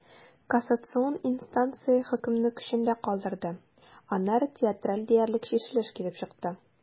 Кассацион инстанция хөкемне көчендә калдырды, аннары театраль диярлек чишелеш килеп чыкты.